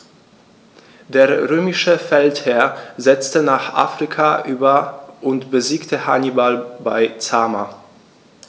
Der römische Feldherr setzte nach Afrika über und besiegte Hannibal bei Zama.